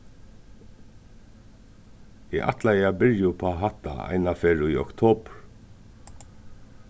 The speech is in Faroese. eg ætlaði at byrja upp á hatta einaferð í oktobur